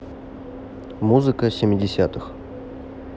музыка семидесятых